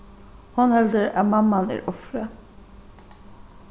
hon heldur at mamman er ofrið